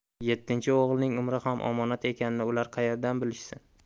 yettinchi o'g'ilning umri ham omonat ekanini ular qaerdan bilishsin